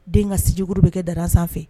Den ka sjikuru bɛ kɛ dara sanfɛ